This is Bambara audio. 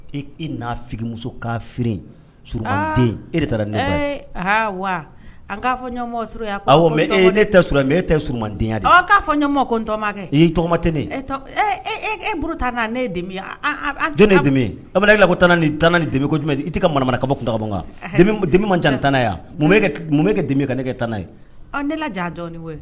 E e'amuso ka f den e de taara ne ee wa an k'a fɔmɔgɔ s e ne tɛ s mɛ e tɛ surumadenya k'a fɔmɔgɔ kotɔmakɛ tɔgɔma tɛ e euru ta na nemi don ne demi nela ko tan ni tan ni demi ko jumɛn di i tɛ ka ma ka kanmi ma dan tan'a yan mun kɛ dimi ka ne kɛ tan n'a ye ne dɔɔnin koyi